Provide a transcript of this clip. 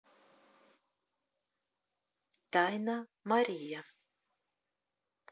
тайна мария